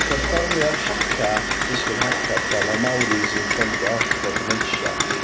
perfformio'r Haka, dysgu'r Haka a petha, ma'r Māoris yn ffendio off fatha dementia.